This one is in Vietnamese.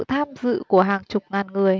tham dự của hàng chục ngàn người